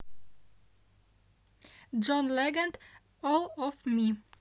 john legend all of me